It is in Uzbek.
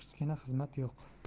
kichikda xizmat yo'q